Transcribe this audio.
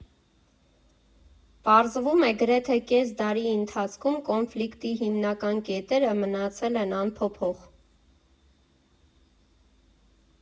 Պարզվում է, գրեթե կես դարի ընթացքում կոնֆլիկտի հիմնական կետերը մնացել են անփոփոխ։